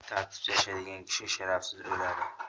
tartibsiz yashaydigan kishi sharafsiz o'ladi